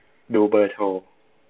ดูเบอร์โทร